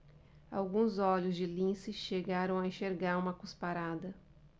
alguns olhos de lince chegaram a enxergar uma cusparada